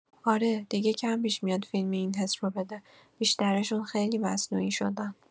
آره، دیگه کم پیش میاد فیلمی این حس رو بده، بیشترشون خیلی مصنوعی شدن.